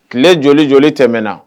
Tile joli joli tɛmɛna